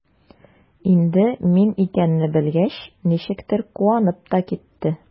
Инде мин икәнне белгәч, ничектер куанып та китте.